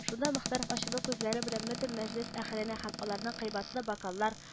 Шунда Мохтаров ачулы күзләре белән мөтен мәҗлес әһаленә һәм аларның кыйбатлы бокаллар